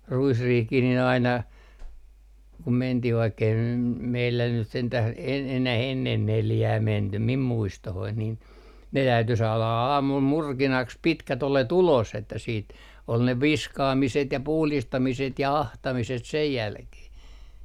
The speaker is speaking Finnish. ruisriihikin niin aina kun mentiin vaikka ei nyt meillä nyt sentään - enää ennen neljää menty minun muistooni niin ne täytyi saada - aamulla murkinaksi pitkät oljet ulos että sitten oli ne viskaamiset ja puhdistamiset ja ahtamiset sen jälkeen